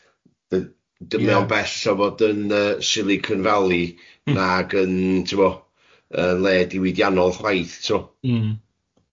bell o fod yn yy Silicon Valley nag yn t'mod, yn le diwydiannol chwaith, t'mod... Mm.